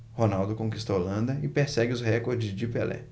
ronaldo conquista a holanda e persegue os recordes de pelé